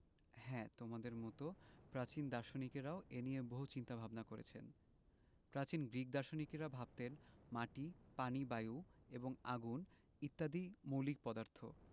হ্যাঁ তোমাদের মতো প্রাচীন দার্শনিকেরাও এ নিয়ে বহু চিন্তা ভাবনা করেছেন প্রাচীন গ্রিক দার্শনিকেরা ভাবতেন মাটি পানি বায়ু এবং আগুন ইত্যাদি মৌলিক পদার্থ